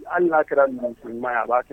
Hali n'a kɛra minɛkoɲuman ye a b'a kɛ.